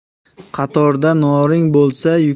qatorda noring bo'lsa